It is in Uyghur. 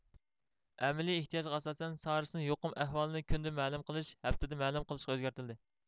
ئەمەلىي ئېھتىياجغا ئاساسەن سارسنىڭ يۇقۇم ئەھۋالىنى كۈندە مەلۇم قىلىش ھەپتىدە مەلۇم قىلىشقا ئۆزگەرتىلدى